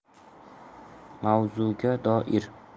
mavzuga doir